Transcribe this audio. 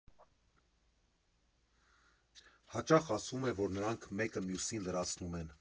Հաճախ ասվում է, որ նրանք մեկը մյուսին լրացնում են։